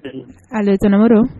Allo tonton Moro